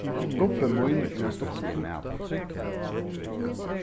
gubbi mín er ein stuttligur maður